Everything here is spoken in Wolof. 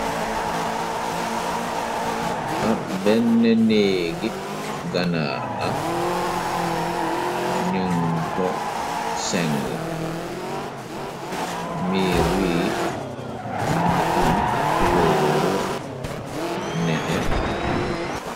Ab benn néegi ganaar la ñun ko seng miir wi mu ngi am kulóoruo nete.